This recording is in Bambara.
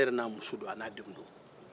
ale yɛrɛ n'a muso n'a denw don